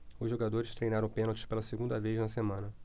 os jogadores treinaram pênaltis pela segunda vez na semana